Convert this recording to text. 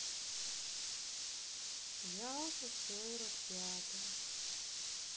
ялта сорок пятого